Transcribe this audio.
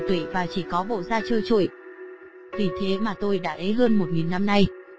tụy và chỉ có bộ da trơ trụi vì thế mà tôi đã ế hơn năm nay